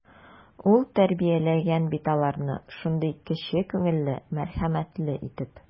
Ул тәрбияләгән бит аларны шундый кече күңелле, мәрхәмәтле итеп.